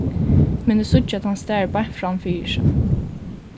men eg síggi at hann starir beint fram fyri seg